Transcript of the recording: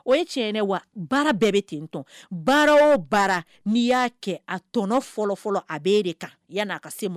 O ye cɛ wa baara bɛɛ bɛ ten baara o baara n'i y'a kɛ a tɔnɔ fɔlɔfɔlɔ a bɛ e de kan yan' a ka se ma